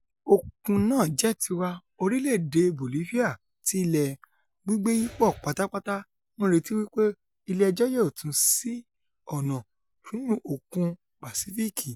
Òkun náà jẹ́ tiwa': orílẹ̀-èdè Bolifia tí ilẹ̀ gbígbẹ yípo pátápátá ńretí wí pé ilé ẹjọ́ yóò tún sí ọ̀nà sínú òkun Pàsífíìkì